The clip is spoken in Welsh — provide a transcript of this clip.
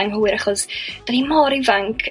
anghywir achos 'da ni mor ifanc.